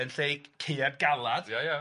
Yn lle caead galad. Ia ia.